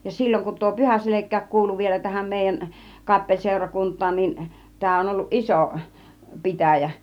ja silloin kun tuo Pyhäselkäkin kuului vielä tähän meidän kappeliseurakuntaan niin tämä on ollut iso pitäjä